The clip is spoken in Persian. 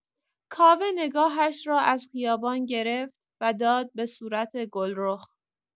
کاوه نگاهش را از خیابان گرفت و داد به صورت گلرخ